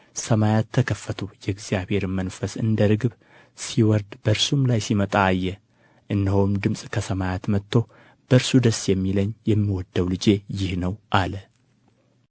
ሰማያት ተከፈቱ የእግዚአብሔርም መንፈስ እንደ ርግብ ሲወርድ በእርሱ ላይም ሲመጣ አየ እነሆም ድምፅ ከሰማያት መጥቶ በእርሱ ደስ የሚለኝ የምወደው ልጄ ይህ ነው አለ